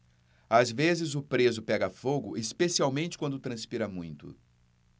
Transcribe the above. às vezes o preso pega fogo especialmente quando transpira muito